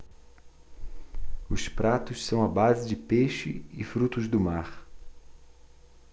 os pratos são à base de peixe e frutos do mar